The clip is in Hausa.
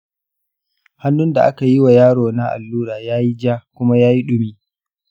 hannun da aka yi wa yarona allura ya yi ja kuma yayi ɗumi.